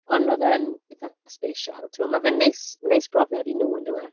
Ond oedd e'n eitha yy special, timod. Mae fe'n neis, neis profiad i nhw, yndyw e?